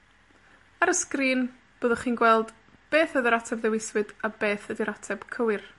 ar y sgrin, byddwch chi'n gweld beth oedd yr ateb ddewiswyd, a beth ydi'r ateb cywir.